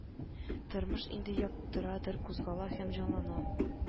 Тормыш инде яктырадыр, кузгала һәм җанлана